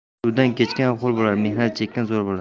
suvdan kechgan ho'l bo'lar mehnat chekkan zo'r bo'lar